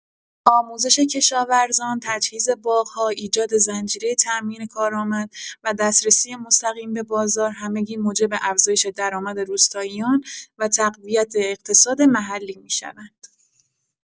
آموزش کشاورزان، تجهیز باغ‌ها، ایجاد زنجیره تأمین کارآمد و دسترسی مستقیم به بازار، همگی موجب افزایش درآمد روستاییان و تقویت اقتصاد محلی می‌شوند.